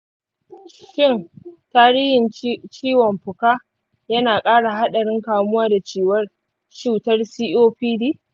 shin tarihin ciwon fuka yana ƙara haɗarin kamuwa da cutar copd?